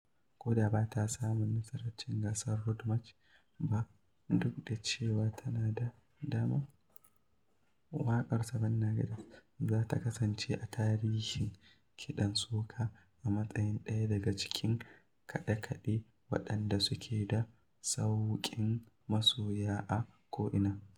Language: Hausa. Wata ɗabi'a ta musamman ta "playing mas" da rawa ta waƙar soca shi ne, hannuwan mutane suna sama, kusan koyaushe da ko ma me suke riƙe a lokacin, daga abubuwan sha zuwa abubuwan rufe fuska.